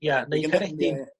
Ia neuadd Caeredin.